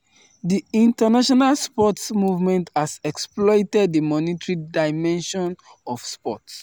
The international sports movement has exploited the monetary dimension of sports.